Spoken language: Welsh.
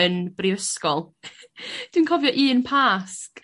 yn brifysgol dwi'n cofio un Pasg